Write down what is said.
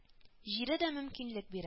Җире дә мөмкинлек бирә